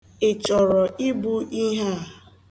Ị chọrọ ibu ihe a?